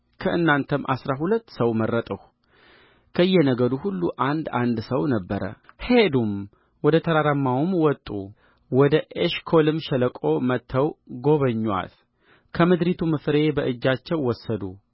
ከእናንተም አሥራ ሁለት ሰው መረጥሁ ከየነገዱ ሁሉ አንድ አንድ ሰው ነበረሄዱም ወደ ተራራማውም ወጡ ወደ ኤሽኮልም ሸለቆ መጥተው ጎበኙአትከምድሪቱም ፍሬ በእጃቸው ወሰዱ